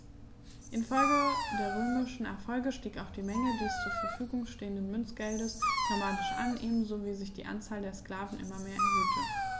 Infolge der römischen Erfolge stieg auch die Menge des zur Verfügung stehenden Münzgeldes dramatisch an, ebenso wie sich die Anzahl der Sklaven immer mehr erhöhte.